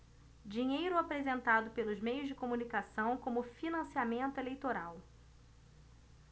dinheiro apresentado pelos meios de comunicação como financiamento eleitoral